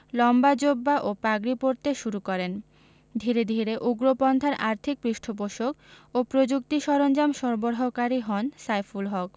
লম্বা জোব্বা ও পাগড়ি পরতে শুরু করেন ধীরে ধীরে উগ্রপন্থার আর্থিক পৃষ্ঠপোষক ও প্রযুক্তি সরঞ্জাম সরবরাহকারী হন সাইফুল হক